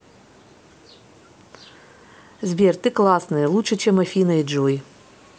сбер ты классный лучше чем афина и джой